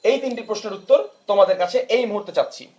এই তিনটি প্রশ্নের উত্তর তোমাদের কাছে এই মুহূর্তে চাচ্ছি